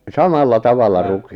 samalla tavalla -